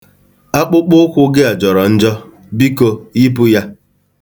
Akpụkpọụkwụ gị a jọrọ njọ. Biko, yipụ ya!